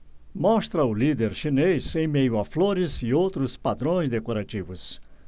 mostra o líder chinês em meio a flores e outros padrões decorativos